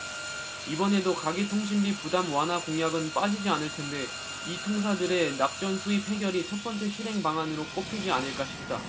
이번에도 가계통신비 부담 완화 공약은 빠지지 않을텐데 이통사들의 낙전수입 해결이 첫번째 실행 방안으로 꼽히지 않을까 싶다